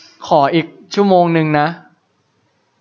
ขออีกชั่วโมงนึงนะ